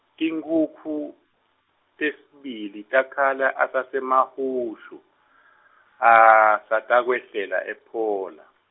tinkhukhu, tesibili takhala asaseMahushu , asatakwehlela ePhola.